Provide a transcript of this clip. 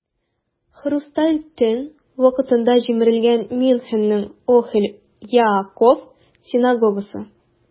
"хрусталь төн" вакытында җимерелгән мюнхенның "охель яаков" синагогасы.